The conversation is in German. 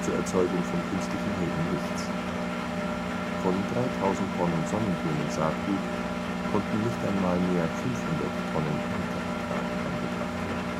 Erzeugung von Künstlichem Regen nichts. Von 3.000 t Sonnenblumen-Saatgut konnten nicht einmal mehr 500 t Ernteertrag eingebracht werden